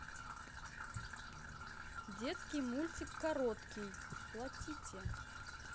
детский мультик короткий платите